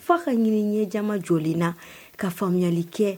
Fa ka ɲini ɲɛjama jɔlen na ka faamuyayali kɛ